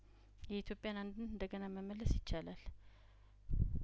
የኢትዮጵያን አንድነት እንደገና መመለስ ይቻላል